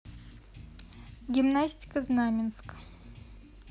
гимнастика знаменск